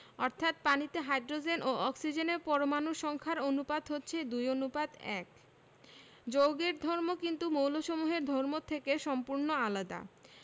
অর্থাৎ পানিতে হাইড্রোজেন ও অক্সিজেনের পরমাণুর সংখ্যার অনুপাত হচ্ছে ২ অনুপাত ১যৌগের ধর্ম কিন্তু মৌলসমূহের ধর্ম থেকে সম্পূর্ণ আলাদা